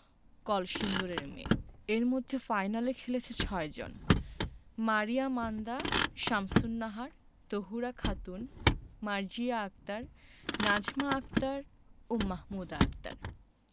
কলসিন্দুরের মেয়ে এর মধ্যে ফাইনালে খেলেছে ৬ জন মারিয়া মান্দা শামসুন্নাহার তহুরা খাতুন মার্জিয়া আক্তার নাজমা আক্তার ও মাহমুদা আক্তার